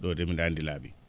?o de mbi?a anndi laa?i